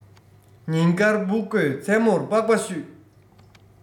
ཉིན དཀར འབུ བརྐོས མཚན མོར པགས པ བཤུས